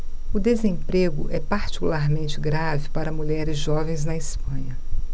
o desemprego é particularmente grave para mulheres jovens na espanha